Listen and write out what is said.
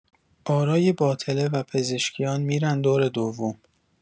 آرای باطله و پزشکیان می‌رن دور دوم